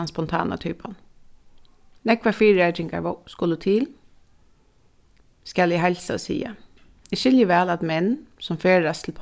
tann spontana typan nógvar fyrireikingar skulu til skal eg heilsa og siga eg skilji væl at menn sum ferðast til